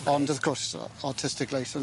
Ond wrth gwrs o- artistic licence.